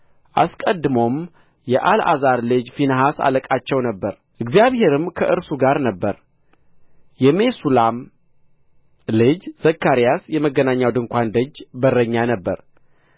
አስቀድሞም የአልዓዛር ልጅ ፊንሐስ አለቃቸው ነበረ እግዚአብሔርም ከእርሱ ጋር ነበረ የሜሱላም ልጅ ዘካርያስ የመገናኛው ድንኳን ደጅ በረኛ ነበረ